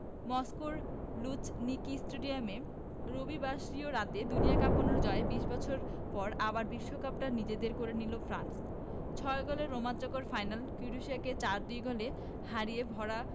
মস্কোর লুঝনিকি স্টেডিয়ামে রবিবাসরীয় রাতে দুনিয়া কাঁপানো জয়ে ২০ বছর পর আবার বিশ্বকাপটা নিজেদের করে নিল ফ্রান্স ছয় গোলের রোমাঞ্চকর ফাইনালে ক্রোয়েশিয়াকে ৪ ২ গোলে হারিয়ে ভরা